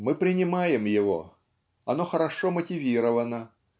Мы принимаем его, оно хорошо мотивировано